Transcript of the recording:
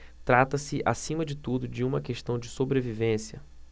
trata-se acima de tudo de uma questão de sobrevivência